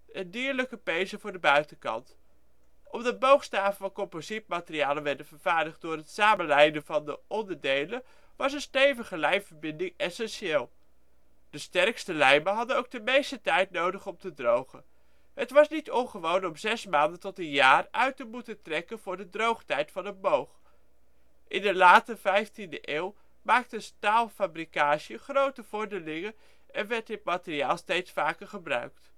en dierlijke pezen voor de buitenkant. Omdat boogstaven van composietmaterialen werden vervaardigd door het samenlijmen van de onderdelen was een stevige lijmverbinding essentieel. De sterkste lijmen hadden ook de meeste tijd nodig om te drogen. Het was niet ongewoon om 6 maanden tot een jaar uit te moeten trekken voor de droogtijd van een boog. In de late 15e eeuw maakte de staalfabricage grote vorderingen en werd dit materiaal steeds vaker gebruikt